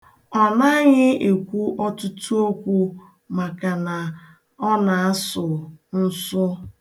Ọ naghị ekwu ọtụtụ okwu maka na ọ na-asụ nsụ.